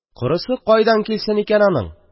Корысы каян килсен икән аның?